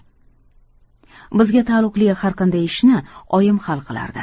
bizga taalluqli har qanday ishni oyim hal qilardi